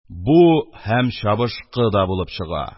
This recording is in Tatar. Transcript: Бу һәм чабышкы да булып чыга.